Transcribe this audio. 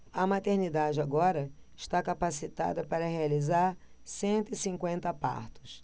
a maternidade agora está capacitada para realizar cento e cinquenta partos